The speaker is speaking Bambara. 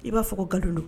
I b'a fɔ kado